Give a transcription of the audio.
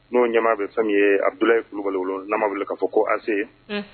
N'o ɲamamaa bɛ fɛn ye a bolo kulubali lamɔ wele k'a fɔ ko ase